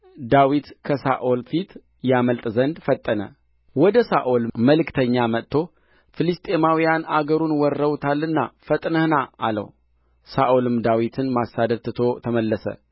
ዳዊት ከሳኦል ፊት ያመልጥ ዘንድ ፈጠነ ወደ ሳኦልም መልእክተኛ መጥቶ ፍልስጥኤማውያን አገሩን ወርረውታልና ፈጥነህ ና አለው ሳኦልም ዳዊትን ማሳደድ ትቶ ተመለሰ